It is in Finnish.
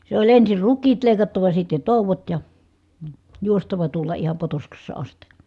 se oli ensin rukiit leikattava sitten touot ja juostava tuolla ihan Potoskassa asti